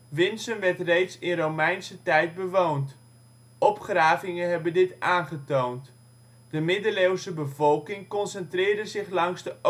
Winssen werd reeds in Romeinse tijd bewoond. Opgravingen hebben dit aangetoond. De middeleeuwse bevolking concentreerde zich langs de